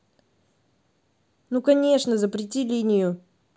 ну конечно запрети линию